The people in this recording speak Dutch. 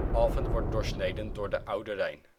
Alphen wordt doorsneden door de Oude Rijn